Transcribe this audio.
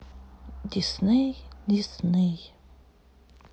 дисней дисней